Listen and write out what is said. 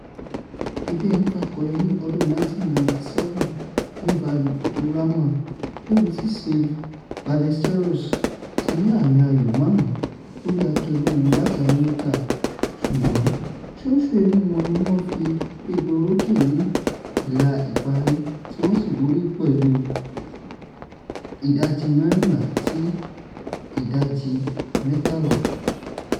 The Dane fakọyọ ní ọdún 1997 ní Valderrama, níbití Seve Ballesteros ti ní àmì ayò márùn lórí akẹgbẹ́ wọn láti Amerika, ṣùgbọ́n ṣóńsó imú wọn ní wọ́n fí gbégbá orókè ní ìlà-ìparí tí wọ́n sì borí pẹ̀lú 14½-13½.